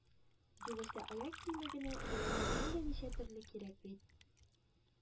Югыйсә аяк киеме генә дә елына әллә ничә төрле кирәк бит